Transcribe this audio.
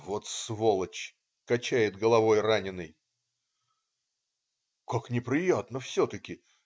"Вот сволочь!" - качает головой раненый. "Как неприятно все-таки.